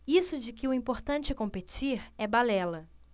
isso de que o importante é competir é balela